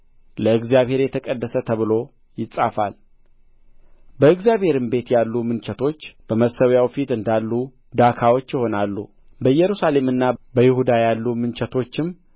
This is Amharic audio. ለእግዚአብሔር የተቀደሰ ተብሎ ይጻፋል በእግዚአብሔርም ቤት ያሉ ምንቸቶች በመሠዊያው ፊት እንዳሉ ዳካዎች ይሆናሉ በኢየሩሳሌምና በይሁዳ ያሉ ምንቸቶችም